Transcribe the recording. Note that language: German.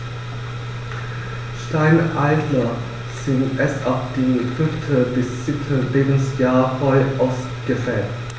Steinadler sind erst ab dem 5. bis 7. Lebensjahr voll ausgefärbt.